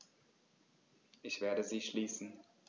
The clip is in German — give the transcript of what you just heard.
Ich werde sie schließen.